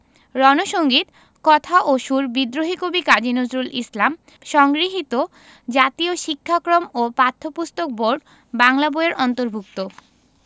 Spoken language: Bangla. রন সঙ্গীত কথা ও সুর বিদ্রোহী কবি কাজী নজরুল ইসলাম সংগৃহীত জাতীয় শিক্ষাক্রম ও পাঠ্যপুস্তক বোর্ড বাংলা বই এর অন্তর্ভুক্ত